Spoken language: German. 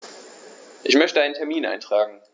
Ich möchte einen Termin eintragen.